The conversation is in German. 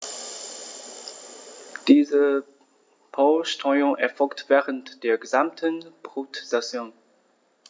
Diese Polsterung erfolgt während der gesamten Brutsaison.